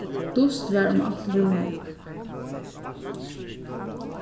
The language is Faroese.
dust var um alt rúmið